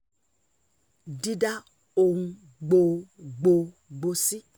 Dídá Ohùn Gbogboògbò Sí i